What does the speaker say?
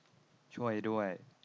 ช่วยด้วย